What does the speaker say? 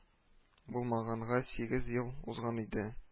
Булмаганга сигез ел узган иде